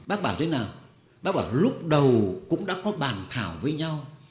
bác bảo thế nào bác bảo lúc đầu cũng đã có bàn thảo với nhau